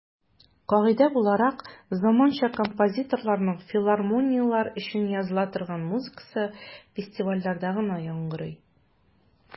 Кагыйдә буларак, заманча композиторларның филармонияләр өчен языла торган музыкасы фестивальләрдә генә яңгырый.